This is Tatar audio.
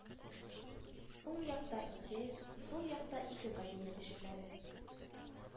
Уң якта ике, сул якта ике кабинет ишекләре